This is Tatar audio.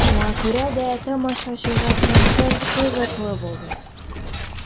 Шуңа күрә дә тамашачыга концерт кызыклы булды.